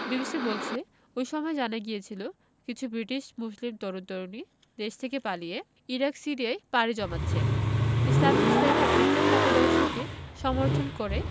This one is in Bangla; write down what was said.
বিবিসি বলছে ওই সময়ই জানা গিয়েছিল কিছু ব্রিটিশ মুসলিম তরুণ তরুণী দেশ থেকে পালিয়ে ইরাক সিরিয়ায় পাড়ি জমাচ্ছে ইসলামিক স্টেটের উগ্র মতাদর্শকে সমর্থন করে